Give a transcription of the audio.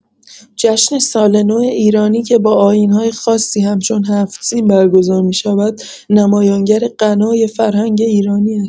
جشن سال‌نو ایرانی که با آیین‌های خاصی همچون هفت‌سین برگزار می‌شود، نمایانگر غنای فرهنگ ایرانی است.